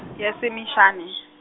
yasemishane.